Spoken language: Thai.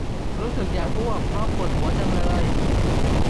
รู้สึกอยากอ้วกเพราะปวดหัวจังเลย